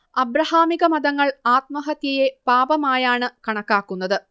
അബ്രഹാമികമതങ്ങൾ ആത്മഹത്യയെ പാപമായാണ് കണക്കാക്കുന്നത്